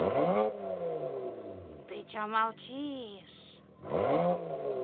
ты че молчишь